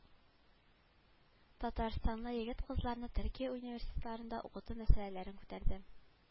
Татарстанлы егет-кызларны төркия университетларында укыту мәсьәләләрен күтәрде